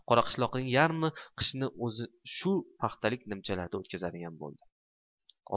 qoraqishloqning yarmi qishni uning shu paxtalik nimchalarida o'tkazadigan bo'ldi